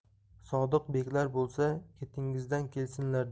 sodiq beklar bo'lsa ketingizdan kelsinlar